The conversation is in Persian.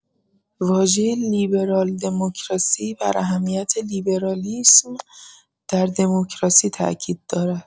واژه لیبرال دموکراسی بر اهمیت لیبرالیسم در دموکراسی تاکید دارد.